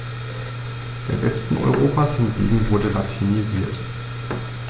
Der Westen Europas hingegen wurde latinisiert.